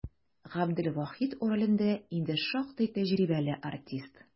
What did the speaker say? Габделвахит ролендә инде шактый тәҗрибәле артист.